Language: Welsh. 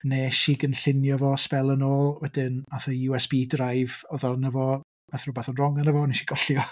Wnes i gynllunio fo sbel yn ôl, wedyn aeth y USB drive oedd arno fo, aeth rhywbeth yn wrong arno fo, a wnes i golli o .